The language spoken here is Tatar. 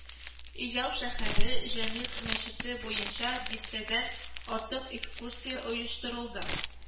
Ижау шәһәре Җәмигъ мәчете буенча дистәдән артык экскурсия оештырылды